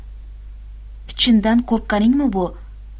chindan qo'rqqaningmi bu